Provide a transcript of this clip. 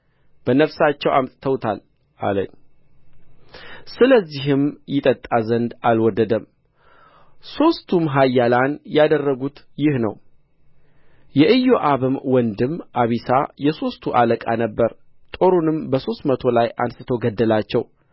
በነፍሳቸው አምጥተውታል አለ ስለዚህም ይጠጣ ዘንድ አልወደደም ሦስቱም ኃያላን ያደረጉት ይህ ነው የኢዮአብም ወንድም አቢሳ የሦስቱ አለቃ ነበረ ጦሩንም በሦስት መቶ ላይ አንሥቶ ገደላቸው